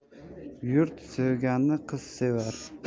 yurt sevganni qiz sevar